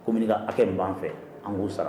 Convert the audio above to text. ka hakɛ de b'an fɛ, an k'u sara